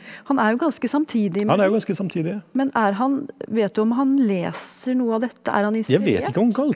han er jo ganske samtidig med de men er han vet du om han leser noe av dette, er han inspirert?